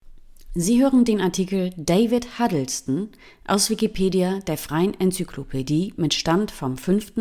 Sie hören den Artikel David Huddleston, aus Wikipedia, der freien Enzyklopädie. Mit dem Stand vom Der